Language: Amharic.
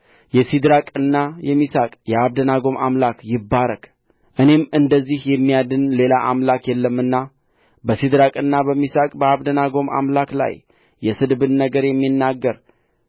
የሲድራቅና የሚሳቅ የአብደናጎም አምላክ ይባረክ እኔም እንደዚህ የሚያድን ሌላ አምላክ የለምና በሲድራቅና በሚሳቅ በአብደናጎም አምላክ ላይ የስድብን ነገር የሚናገር